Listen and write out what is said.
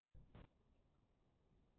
མི དབང ཆ ཡོད པ རྣམས ཀྱིས